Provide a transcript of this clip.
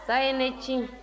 sa ye ne cin